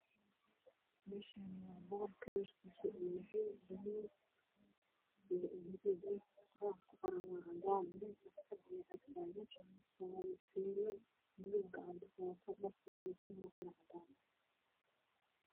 Meeshaani waa boor kalarkiisa yahay buluug qoraalka ku qoran waa cadaan nin ayaa agtaagan fiilo madow gacanta ku wato dharka uu watana waa dhar cadaan